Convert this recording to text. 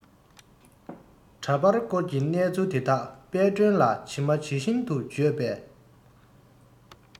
འདྲ པར བསྐོར གྱི གནས ཚུལ དེ དག དཔལ སྒྲོན ལ ཇི མ ཇི བཞིན དུ བརྗོད པས